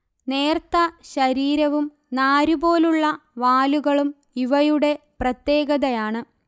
നേർത്ത ശരീരവും നാരുപോലുള്ള വാലുകളും ഇവയുടെ പ്രത്യേകതയാണ്